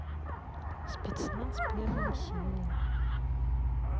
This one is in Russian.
спецназ первая серия